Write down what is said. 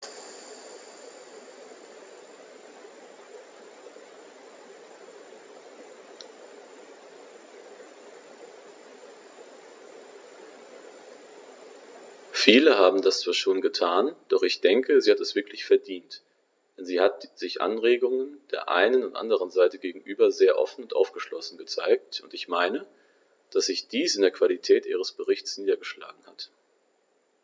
Viele haben das zwar schon getan, doch ich denke, sie hat es wirklich verdient, denn sie hat sich Anregungen der einen und anderen Seite gegenüber sehr offen und aufgeschlossen gezeigt, und ich meine, dass sich dies in der Qualität ihres Berichts niedergeschlagen hat.